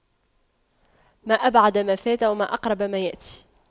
ما أبعد ما فات وما أقرب ما يأتي